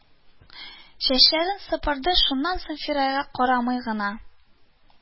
Чәчләрен сыпырды, шуннан соң фираяга карамый гына